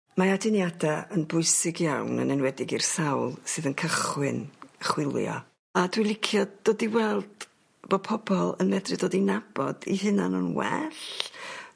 Mae aduniada yn bwysig iawn yn enwedig i'r sawl sydd yn cychwyn chwilio a dwi licio dod i weld bo' pobol yn medru dod i nabod 'u hunan yn well.